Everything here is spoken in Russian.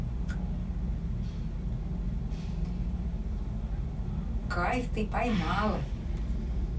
кайф ты поймала